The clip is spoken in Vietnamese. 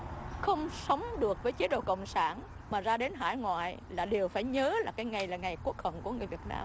không sống được với chế độ cộng sản mà ra đến hải ngoại là đều phải nhớ là cái ngày là ngày quốc hận của người việt nam